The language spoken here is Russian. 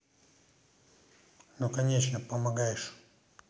ну конечно помогаешь